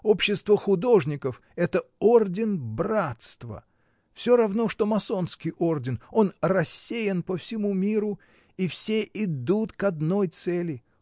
Общество художников — это орден братства, всё равно что масонский орден: он рассеян по всему миру и все идут к одной цели.